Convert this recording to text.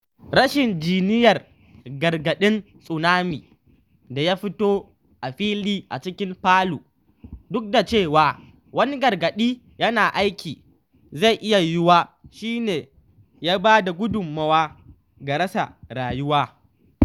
Rashin jiniyar gargarɗin tsunami da ya fito a fili a cikin Palu, duk da cewa wani gargaɗi yana aiki, zai iya yiwuwa shi ne ya ba da gudunmawa ga rasa rayuwa.